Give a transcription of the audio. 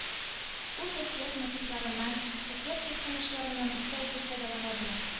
Ул әкият мотивларыннан, әкият персонажларыннан оста итеп файдалана белә